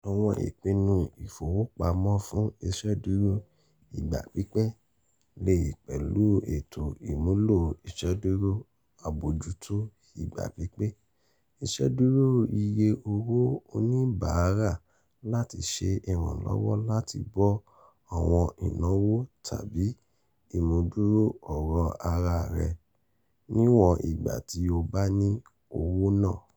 Àwọn ìpinnu ìfowópamọ́ fún ìṣedúró ìgbà pípẹ́ lè pẹ̀lú ètò ìmúlò ìṣedúró àbojútó ìgbà pípẹ́, ìṣedúró iye owó oníbàárà láti ṣe ìrànlọ́wọ́ láti bo àwọn ìnáwó tàbí ìmúdúró ọ̀rọ̀ ara rẹ̀ - níwọn ìgbà tí ó bá ní owó náà.